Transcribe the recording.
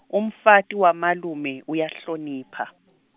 umfati wamalume uyahlonipha.